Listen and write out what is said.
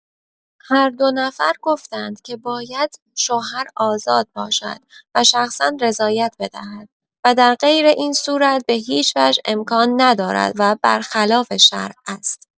هر دو نفر گفتند که باید شوهر آزاد باشد و شخصا رضایت بدهد و در غیر این صورت به‌هیچ‌وجه امکان ندارد و برخلاف شرع است.